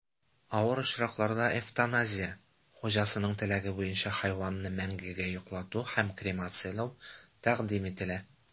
Авыр очракларда эвтаназия (хуҗасының теләге буенча хайванны мәңгегә йоклату һәм кремацияләү) тәкъдим ителә.